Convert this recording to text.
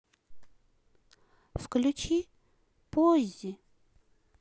включи поззи